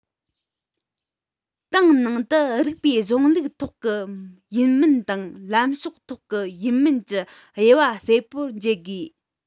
ཏང ནང དུ རིགས པའི གཞུང ལུགས ཐོག གི ཡིན མིན དང ལམ ཕྱོགས ཐོག གི ཡིན མིན གྱི དབྱེ བ གསལ པོར འབྱེད དགོས